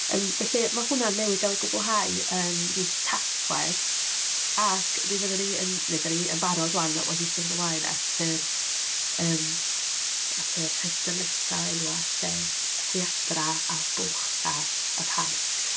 Yym, felly ma' hwnna newydd gael ei gwblhau yn mis Tachwedd, ac mi fyddwn ni yn... neu dan ni yn barod 'wan, wedi symud ymlaen at yr, yym, at y rhestr nesa o enwau, sef rhaeadrau a bylchau y parc.